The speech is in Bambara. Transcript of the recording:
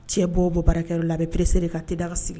Cɛ bɔ o bɔ baarakɛyɔrɔ la, a bɛ presser de ka thé daga sigi.